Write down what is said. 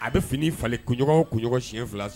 A bi fini falen kunɲɔgɔn kunɲɔgɔn siɲɛn fila.